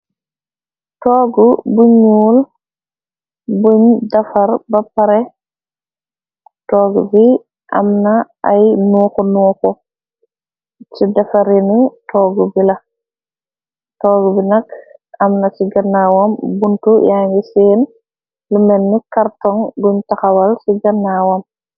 Toog bu ñuul buñ defar ba pare. Toog bi am na ay nuuku nuuko ci defarini toog bi la. Toog bi nak am na ci gannawam buntu yaa ngi seen lu menn kartong guñ taxawal ci gannaawam.